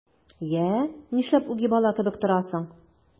Йә, нишләп үги бала кебек торасың?